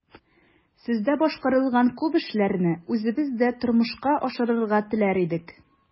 Сездә башкарылган күп эшләрне үзебездә дә тормышка ашырырга теләр идек.